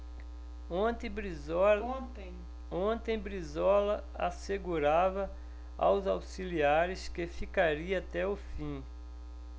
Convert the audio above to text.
ontem brizola assegurava aos auxiliares que ficaria até o fim